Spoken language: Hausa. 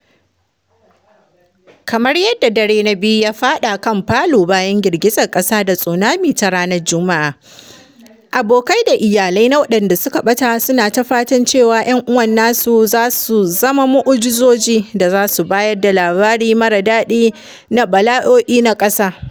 Kamar yadda dare na biyu ya faɗa kan Palu bayan girgizar ƙasa da tsunami ta ranar Juma’a, abokai da iyali na waɗanda suka ɓata suna ta fatan cewa ‘yan uwan nasu za su zama mu’ujizozi da za su bayar da labari mara daɗi na bala’o’i na ƙasa.